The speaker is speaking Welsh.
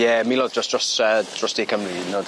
Ie milodd dros dros yy dros De Cymru 'yd yn o'd.